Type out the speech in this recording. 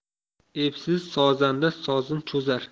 epsiz sozanda sozin cho'zar